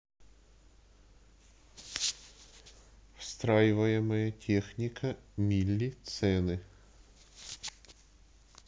встраиваемая техника милли цены